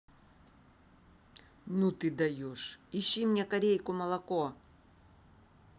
ну ты даешь ищи мне корейку молоко